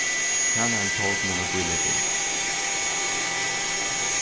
tænarin tók mína bílegging